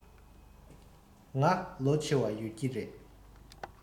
ང ལོ ཆེ བ ཡོད ཀྱི རེད